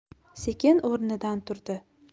sekin o'rnidan turdi